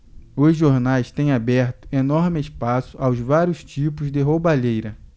os jornais têm aberto enorme espaço aos vários tipos de roubalheira